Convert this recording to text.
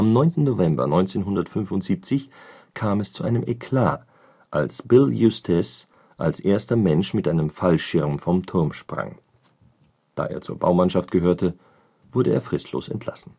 9. November 1975 kam es zu einem Eklat, als Bill Eustace als erster Mensch mit einem Fallschirm vom Turm sprang. Da er zur Baumannschaft gehörte, wurde er fristlos entlassen